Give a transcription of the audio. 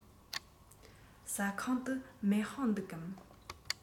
ཟ ཁང དུ མེ ཤིང འདུག གམ